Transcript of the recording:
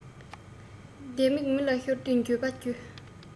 ལྡེ མིག མི ལ ཤོར དུས འགྱོད པའི རྒྱུ